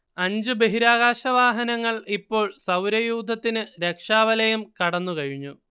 അഞ്ചു ബഹിരാകാശവാഹനങ്ങൾ ഇപ്പോൾ സൗരയൂഥത്തിന് രക്ഷാവലയം കടന്നുകഴിഞ്ഞു